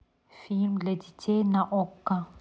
фильмы для детей на окко